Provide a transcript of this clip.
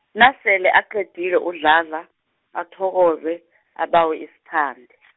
nasele aqedile uDladla, athokoze, abawe isiphande.